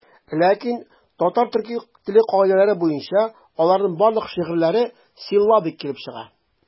Ләкин татар-төрки теле кагыйдәләре буенча аларның барлык шигырьләре силлабик килеп чыга.